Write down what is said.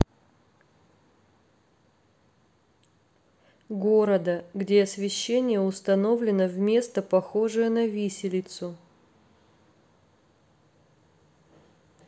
города где освещение установлено вместо похожее на виселицу